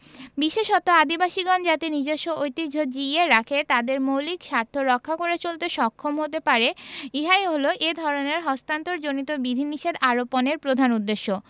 বিশেষত আদিবাসীগণ যাতে নিজস্ব ঐতিহ্য জিইয়ে রেখে তাদের মৌলিক স্বার্থ রক্ষা করে চলতে সক্ষম হতে পারে ইহাই হল এ ধরনের হস্তান্তরজনিত বিধিনিষেধ আরোপনের প্রধান উদ্দেশ্য